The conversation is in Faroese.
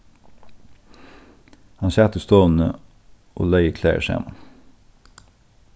hann sat í stovuni og legði klæðir saman